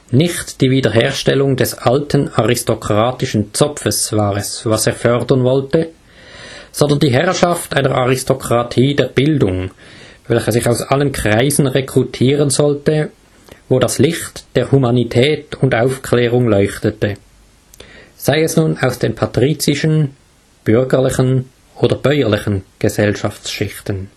Nicht die Wiederherstellung des alten aristokratischen Zopfes war es, was er fördern wollte, sondern die Herrschaft einer Aristokratie der Bildung, welche sich aus allen Kreisen rekrutiren sollte, wo das Licht der Humanität und Aufklärung leuchtete; sei es nun aus den patrizischen, bürgerlichen oder bäuerlichen Gesellschaftsschichten